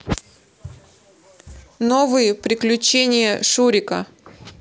новые приключения шурика